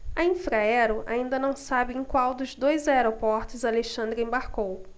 a infraero ainda não sabe em qual dos dois aeroportos alexandre embarcou